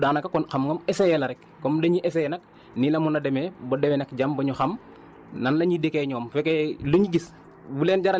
parce que loo xam ne motul xaaju carré loolu daanaka kon xam nga moom essayer la rek comme dañuy essayer nag nii la mun a demee ba déwén ak jàmm bañu xam nan la ñuy dikkee ñoom